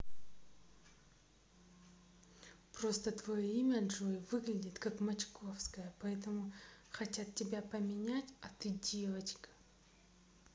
просто твое имя джой выглядит как мачковская поэтому хотят тебя поменять а ты девочка